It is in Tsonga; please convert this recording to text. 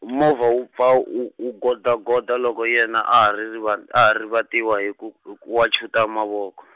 movha wu pfa u u godya godya loko yena aha ri- rivan- aha rivatiwa hiku hiku wachuta mavoko.